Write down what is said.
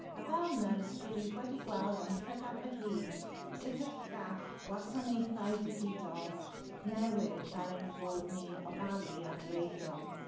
A fel nyrs rydwyf wedi gweld â'm llygad fy hun sut y gall gwasanaethau digidol newid fel ein bod ni'n ofalu ar gleifion.